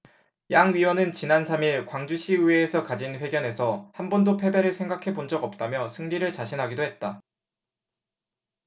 양 위원은 지난 삼 일 광주시의회에서 가진 회견에서 한번도 패배를 생각해 본 적 없다며 승리를 자신하기도 했다